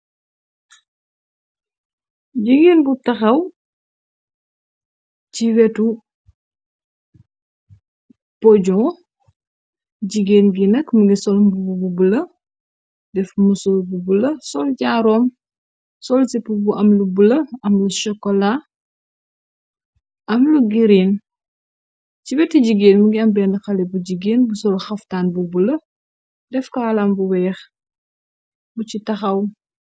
Jigeen bu taxaw ci wetu pojon jigéen gi nak mungi sol mbubu bula def musul bu bula sol jaarom sol sip bu am lu bula am lu chokola am lu giriin ci wetu jiggéen mi ngi ambenn xale bu jigeen bu sol xaftaan bu bula def koalam bu weex bu ci taxaw.